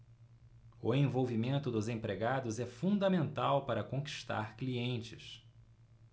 o envolvimento dos empregados é fundamental para conquistar clientes